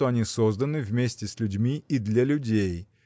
что они созданы вместе с людьми и для людей